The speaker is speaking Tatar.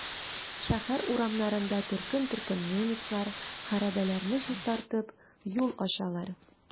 Шәһәр урамнарында төркем-төркем немецлар хәрабәләрне чистартып, юл ачалар.